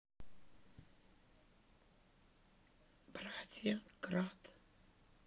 братья кратт